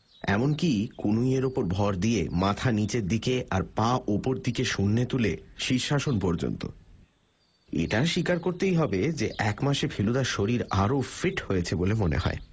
এমন কি কনুইয়ের উপর ভর দিয়ে মাথা নীচের দিকে আর পা উপর দিকে শূন্যে তুলে শীর্ষাসন পর্যন্ত এটা স্বীকার করতেই হবে যে একমাসে ফেলুদার শরীর আরও ফিট হয়েছে বলে মনে হয়